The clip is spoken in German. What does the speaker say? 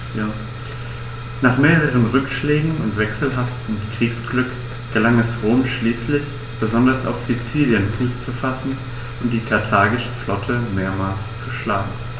Nach mehreren Rückschlägen und wechselhaftem Kriegsglück gelang es Rom schließlich, besonders auf Sizilien Fuß zu fassen und die karthagische Flotte mehrmals zu schlagen.